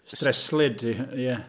Streslyd, ie.